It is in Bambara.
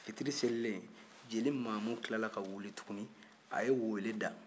fitiri selilen jeli mamu tilala ka wuli tuguni a ye weele da